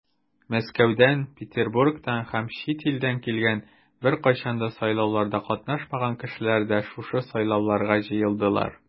Мәскәүдән, Петербургтан һәм чит илдән килгән, беркайчан да сайлауларда катнашмаган кешеләр дә шушы сайлауларга җыелдылар.